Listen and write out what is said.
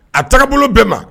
A tagabolo bɛɛ ma